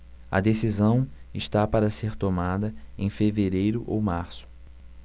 a decisão está para ser tomada em fevereiro ou março